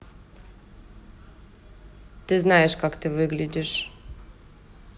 ты знаешь как ты выглядишь